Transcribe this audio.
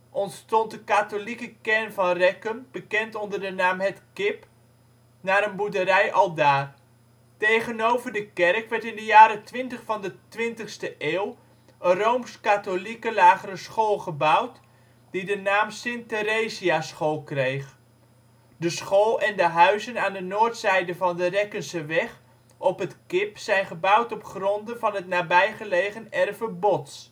ontstond de katholieke kern van Rekken, bekend onder de naam ` het Kip `, naar een boerderij aldaar. Tegenover de kerk werd in de jaren ´20 van de twintigste eeuw een rooms-katholieke lagere school gebouwd, die de naam St. Theresiaschool kreeg. De school en de huizen aan de noordzijde van de Rekkenseweg op het Kip zijn gebouwd op gronden van het nabij gelegen erve Bots